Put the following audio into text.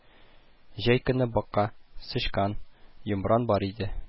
Җәй көне бака, сычкан, йомран бар иде